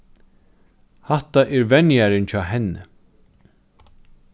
hatta er venjarin hjá henni